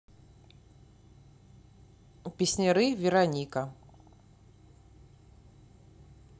песняры вероника